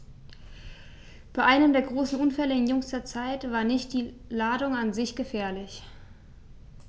Bei einem der großen Unfälle in jüngster Zeit war nicht die Ladung an sich gefährlich.